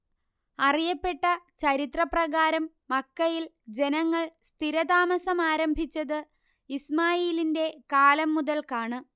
അറിയപ്പെട്ട ചരിത്രപ്രകാരം മക്കയിൽ ജനങ്ങൾ സ്ഥിരതാമസമാരംഭിച്ചത് ഇസ്മാഈലിന്റെ കാലം മുതൽക്കാണ്